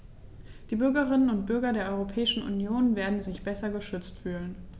Die Bürgerinnen und Bürger der Europäischen Union werden sich besser geschützt fühlen.